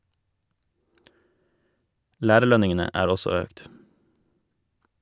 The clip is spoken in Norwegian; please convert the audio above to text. Lærerlønningene er også økt.